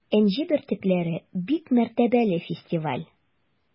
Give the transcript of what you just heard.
“энҗе бөртекләре” - бик мәртәбәле фестиваль.